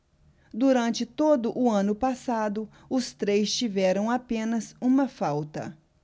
durante todo o ano passado os três tiveram apenas uma falta